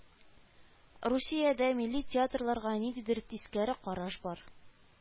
Русиядә милли театрларга ниндидер тискәре караш бар